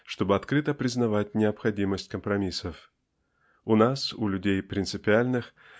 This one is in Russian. чтобы открыто признавать необходимость компромиссов у нас у людей принципиальных